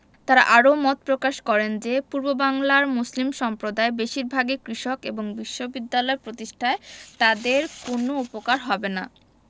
তাঁরা আরও মত প্রকাশ করেন যে পূর্ববাংলার মুসলিম সম্প্রদায় বেশির ভাগই কৃষক এবং বিশ্ববিদ্যালয় প্রতিষ্ঠায় তাদের কোনো উপকার হবে না